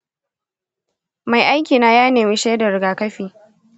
mai aikina ya nemi shaidar rigakafi.